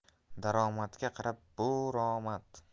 daromadga qarab buromad